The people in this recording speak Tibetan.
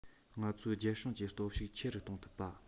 ང ཚོའི རྒྱལ སྲུང གི སྟོབས ཤུགས ཆེ རུ གཏོང ཐུབ པ